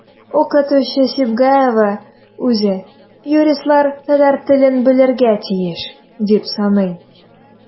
Укытучы Сибгаева үзе юристлар татар телен белергә тиеш дип саный.